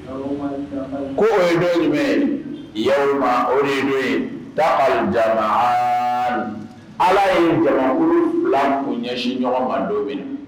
ko o ye don jumɛn ye, Ala ye jamakulu fila kun ɲɛsin ɲɔgɔn ma don minna